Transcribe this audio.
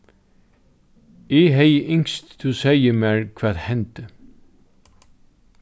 eg hevði ynskt tú segði mær hvat hendi